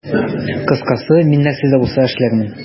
Кыскасы, мин нәрсә дә булса эшләрмен.